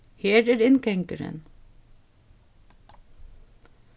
her er inngangurin